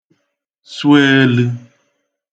swe elə̄